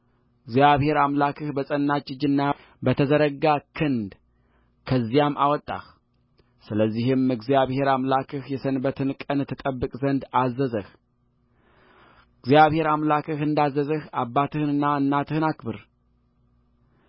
እግዚአብሔር አምላክህ በጸናች እጅና በተዘረጋ ክንድ ከዚያ አወጣህ ስለዚህ እግዚአብሔር አምላክህ የሰንበትን ቀን ትጠብቅ ዘንድ አዘዘህእግዚአብሔር አምላክህ እንዳዘዘህ አባትህንና እናትህን አክብር